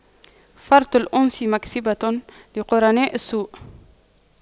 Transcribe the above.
فرط الأنس مكسبة لقرناء السوء